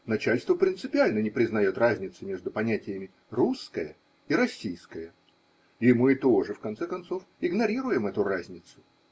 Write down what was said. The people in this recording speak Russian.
Начальство принципиально не признает разницы между понятиями русское и российское, и мы тоже в конце концов игнорируем эту разницу.